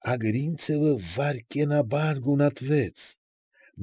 Ագրինցևը վայրկենաբար գունատվեց։